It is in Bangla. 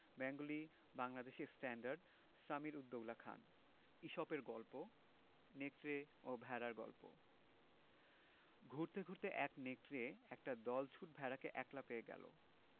ব্যাঙ্গলি বাংলাদেশি স্ট্যান্ডার্ড সামির উদ দৌলা খান ইসপের গল্প নেকড়ে ও ভেড়ার গল্প ঘুরতে ঘুরতে এক নেকড়ে একটা দলছুট ভেড়াকে একলা পেয়ে গেল